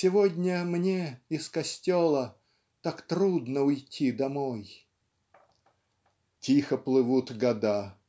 Сегодня мне из костела Так трудно уйти домой. "Тихо плывут года".